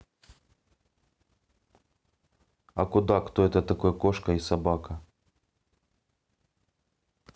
а куда кто это такой кошка и собака